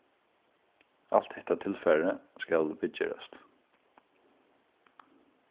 alt hetta tilfarið skal viðgerast